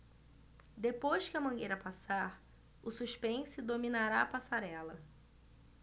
depois que a mangueira passar o suspense dominará a passarela